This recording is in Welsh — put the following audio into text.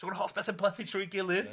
So ma'r holl beth yn plethu trwy'i gilydd